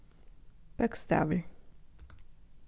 bókstavir